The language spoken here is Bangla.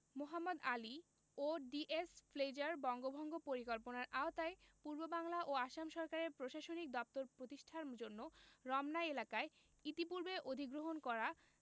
মোহাম্মদ আলী ও ডি.এস. ফ্রেজার বঙ্গভঙ্গ পরিকল্পনার আওতায় পূর্ববাংলা ও আসাম সরকারের প্রশাসনিক দপ্তর প্রতিষ্ঠার জন্য রমনা এলাকায় ইতিপূর্বে অধিগ্রহণ করা